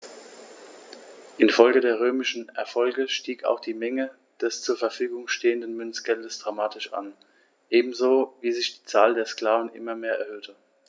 Infolge der römischen Erfolge stieg auch die Menge des zur Verfügung stehenden Münzgeldes dramatisch an, ebenso wie sich die Anzahl der Sklaven immer mehr erhöhte.